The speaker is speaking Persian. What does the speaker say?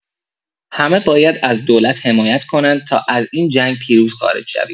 همه باید از دولت حمایت کنند تا از این جنگ پیروز خارج شویم.